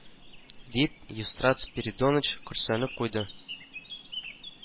Дип, евстрат спиридоныч көрсенеп куйды